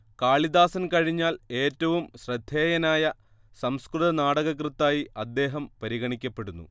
കാളിദാസൻ കഴിഞ്ഞാൽ ഏറ്റവും ശ്രദ്ധേയനായ സംസ്കൃതനാടകകൃത്തായി അദ്ദേഹം പരിഗണിക്കപ്പെടുന്നു